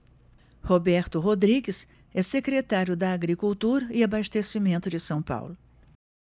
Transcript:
roberto rodrigues é secretário da agricultura e abastecimento de são paulo